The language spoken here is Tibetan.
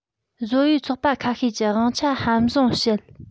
བཟོ པའི ཚོགས པ ཁ ཤས ཀྱི དབང ཆ ཧམ བཟུང བྱེད